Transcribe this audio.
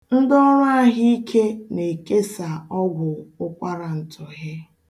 Ndị ọrụ ahụike na-ekesa ọgwụ ụkwarantụhị.